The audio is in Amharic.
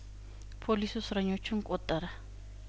ፖሊሱ እስረኞቹን ቆጠረ